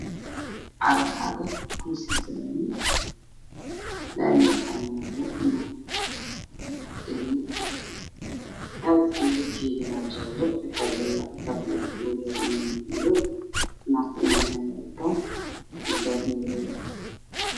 Cagaf cagaf laamida waxa maraya naag ilmo cagafta midabkeedu waa jaalo